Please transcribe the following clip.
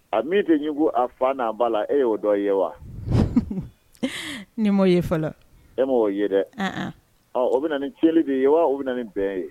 A min de ɲɔgɔn a fa n'a b baa la e y'o dɔn i ye wa ni ma ye fa e ma' oo ye dɛ o bɛ nin ci de ye wa o bɛ na nin bɛn ye